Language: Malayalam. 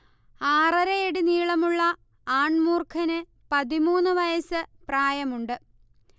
ആറരയടി നീളമുള്ള ആൺ മൂർഖന് പതിമൂന്നു വയസ് പ്രായമുണ്ട്